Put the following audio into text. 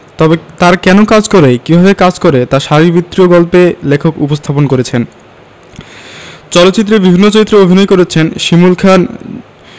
তবে তারা কেন কাজ করে কিভাবে কাজ করে তা শারীরবৃত্তীয় গল্পে লেখক উপস্থাপন করেছেন চলচ্চিত্রের বিভিন্ন চরিত্রে অভিনয় করেছেন শিমুল খান